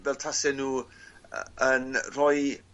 Fel tasen n'w y- yn rhoi